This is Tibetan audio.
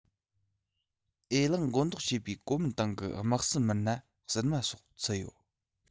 འོས ལངས མགོ འདོགས བྱས པའི གོ མིན ཏང གི དམག སྲིད མི སྣ ཟུར མ སོགས ཚུད ཡོད